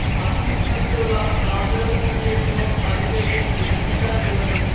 അത്യുഷ്ണത്തിലുള്ള സാന്ദ്രതകൂടിയ രൂപം അതിവേഗം വികസിക്കാൻ തുടങ്ങി